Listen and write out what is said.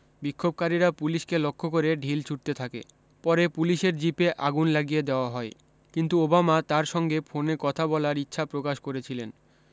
বিক্ষোভকারীরা পুলিশকে লক্ষ্য করে ঢিল ছুঁড়তে থাকে পরে পুলিশের জিপে আগুন লাগিয়ে দেওয়া হয় কিন্তু ওবামা তার সঙ্গে ফোনে কথা বলার ইচ্ছা প্রকাশ করেছিলেন